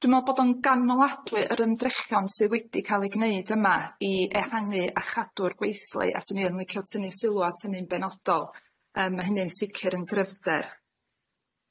Dwi me'wl bod o'n ganoladwy yr ymdrechion sydd wedi ca'l 'u gneud yma i ehangu a chadw'r gweithlu, a 'swn i yn licio tynnu sylw at hynny'n benodol yym ma' hynny'n sicr yn gryfder.